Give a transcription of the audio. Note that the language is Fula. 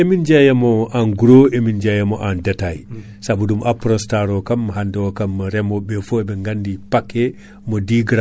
puisque traitement Aprostar way tan ko hono biraten vaccination ŋaji ɗi ganduɗa ɗiɗo baɗante sukaɓe ɗi